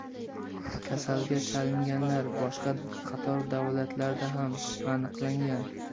kasalga chalinganlar boshqa qator davlatlarda ham aniqlangan